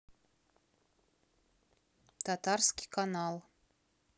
татарский канал